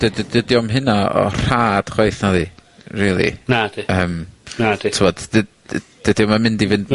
dyd- dyd- dydy o'm hynna o rhad chwaith, naddi, rili... Nadi. ...yym. Nadi. T'mod dy- dy- dydi o'm yn mynd i fynd...